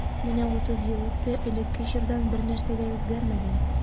Менә утыз ел үтте, элекке чордан бернәрсә дә үзгәрмәгән.